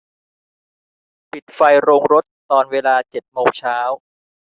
ปิดไฟโรงรถตอนเวลาเจ็ดโมงเช้า